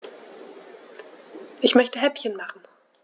Ich möchte Häppchen machen.